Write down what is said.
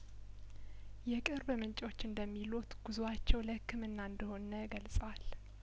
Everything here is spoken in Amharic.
የቅርብምንጮች እንደሚሉት ጉዟቸው ለህክምና እንደሆነ ገልጸዋል